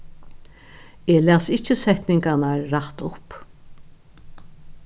eg las ikki setningarnar rætt upp